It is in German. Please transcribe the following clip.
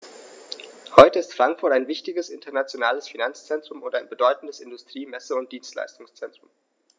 Heute ist Frankfurt ein wichtiges, internationales Finanzzentrum und ein bedeutendes Industrie-, Messe- und Dienstleistungszentrum.